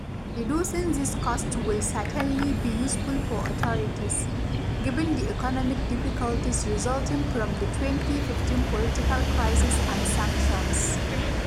Reducing these costs would certainly be useful for authorities, given the economic difficulties resulting from the 2015 political crisis and sanctions.